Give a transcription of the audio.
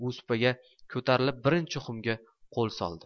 u supaga ko'tarilib birinchi xumga qo'l soldi